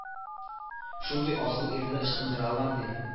Шундый асыл ирне ычкындыралар ди